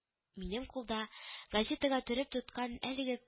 Минем кулда газетага төреп тоткан әлеге